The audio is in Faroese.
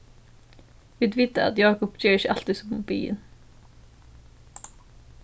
vit vita at jákup ger ikki altíð sum biðin